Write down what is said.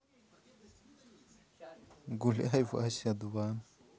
гуляй вася два